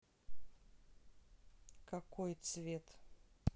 какой цвет